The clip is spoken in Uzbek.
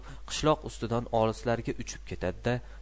qishloq ustidan olislarga uchib ketadi da